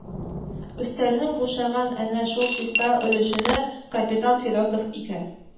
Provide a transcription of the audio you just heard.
Өстәлнең бушаган әнә шул чиста өлешенә капитан Федотов ике